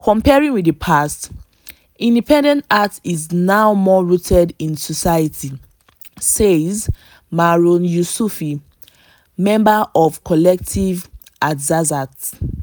“Comparing with the past, independent art is now more rooted in society” says Marouane Youssoufi, member of Collectif Hardzazat.